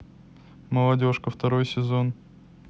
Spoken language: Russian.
молодежка второй сезон